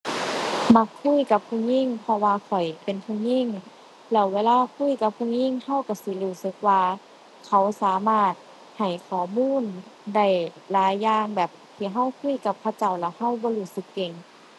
มักคุยกับผู้หญิง เพราะว่าข้อยเป็นผู้หญิง แล้วเวลาคุยกับผู้หญิงเราเราสิรู้สึกว่าเขาสามารถให้ข้อมูลได้หลายอย่างแบบที่เราคุยกับเขาเจ้าแล้วเราบ่รู้สึกเกร็ง